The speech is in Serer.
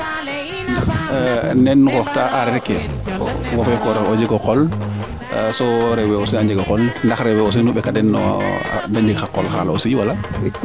nen ngoox ta areer ke wo fe kooroxe o jego qool rewe aussi a njego qol ndax rewe aussi no ɓekaden de njeg xa qol qaal aussi wala